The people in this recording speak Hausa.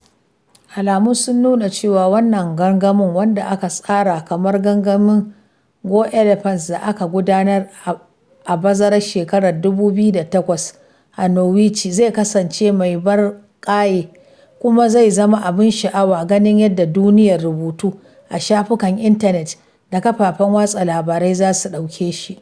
Alamu sun nuna cewa wannan gangamin — wanda aka tsara kamar gangamin Go Elephants da aka gudanar a bazarar shekarar 2008 a Norwich — zai kasance mai ban ƙaye, kuma zai zama abin sha'awa ganin yadda duniyar rubutu a shafukan intanet da kafafen watsa labarai za su ɗauke shi.